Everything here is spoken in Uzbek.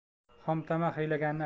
xomtama hiylagarga aylanar